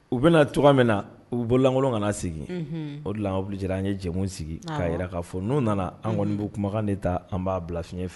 U bɛna na tɔgɔ min na u bɔlankolon kana sigi o bili jɛra an ye jɛ sigi k'a jira k'a fɔ n'u nana an kɔni bɛ kumakan de taa an b'a bilafifɛ